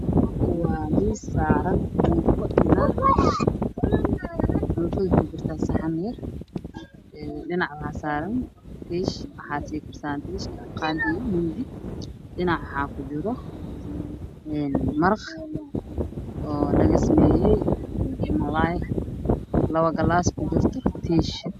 Waxaa ii muuqda miis ay saaran yihiin saddexda jubaland maraq laba koob oo ku jiraan tiish iyo qaadda iyo fargeeto